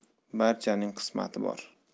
barchaning qismati bir